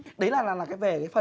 đấy là là là về cái